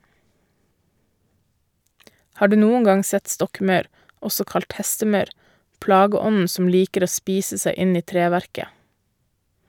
Har du noen gang sett stokkmaur, også kalt hestemaur, plageånden som liker å spise seg inn i treverket?